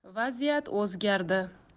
vaziyat o'zgardi